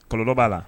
Kɔlɔ b'a la